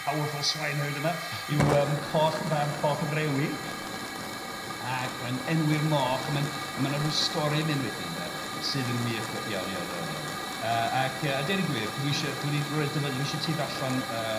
powerful swineherd yma yw yym coll-fab coll-frewi ac mae'n enwi'r moch a mae'n a ma' 'na ryw stori yn mynd wedyn 'de sydd yn wych we- iawn iawn iawn iawn yy ac yy a deud y gwir dwi isie dwi wedi roi dyfyniad dwi isie i ti ddarllan y